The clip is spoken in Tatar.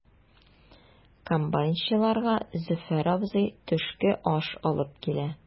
Комбайнчыларга Зөфәр абзый төшке аш алып килә.